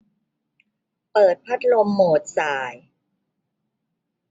เปิดพัดลมโหมดส่าย